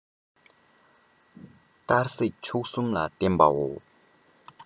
གཏར སྲེག བྱུག གསུམ ལ བརྟེན པའོ